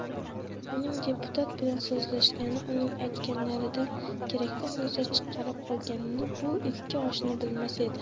uning deputat bilan so'zlashgani uning aytganlaridan kerakli xulosa chiqarib olganini bu ikki oshna bilmas edi